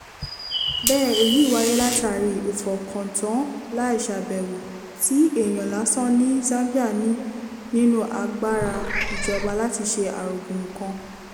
Bẹ́ẹ̀ èyí wáyé látààrí "ìfọkàntán láìṣàbẹ̀wò" tí èèyàn lásán ní Zambia ní nínú agbára ìjọba láti ṣe àrògùn nǹkan.